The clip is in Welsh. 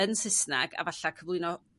yn Susnag a 'falla' cyflwyno